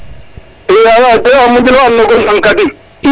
iyo